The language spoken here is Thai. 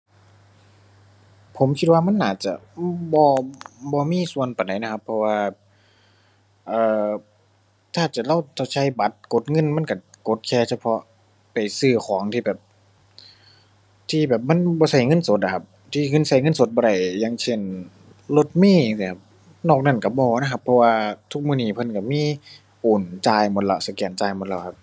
ผมคิดว่ามันน่าจะ อืม บ่ บ่มีส่วนปานใดนะครับ เพราะว่า เอ่อ ถ้าจะเลาจะใช้บัตรกดเงินมันก็กดแค่เฉพาะไปซื้อของที่แบบ ที่แบบ มันบ่ใช้เงินสดอะครับ ที่เงิน ใช้เงินสดบ่ได้ อย่างเช่น รถเมล์จั่งซี้ครับ นอกนั้นก็บ่นะครับ เพราะว่าทุกมื้อนี้เพิ่นก็มีโอนจ่ายหมดแล้ว สแกนจ่ายหมดแล้วครับ